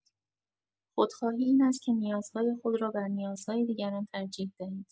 خودخواهی این است که نیازهای خود را بر نیازهای دیگران ترجیح دهید.